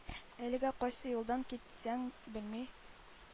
Әлегә кайсы юлдан китәсен белми.